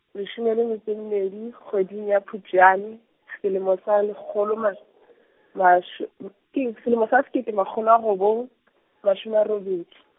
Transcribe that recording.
leshome le metso e mmedi, kgweding ya Phupjane, selemo sa lekgolo mash-, masho- mu-, keng, selemong sa sekete makgolo a robong, mashome a robedi.